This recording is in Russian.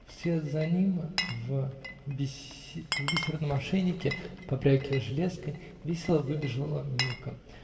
Вслед за ним, в бисерном ошейнике, побрякивая железкой, весело выбежала Милка.